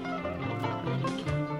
San yo